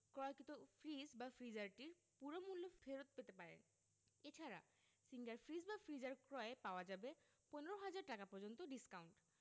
ক্রয়কৃত ফ্রিজ ফ্রিজারটির পুরো মূল্য ফেরত পেতে পারেন এ ছাড়া সিঙ্গার ফ্রিজ ফ্রিজার ক্রয়ে পাওয়া যাবে ১৫ ০০০ টাকা পর্যন্ত ডিসকাউন্ট